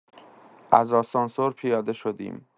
از آسانسور پیاده شدیم.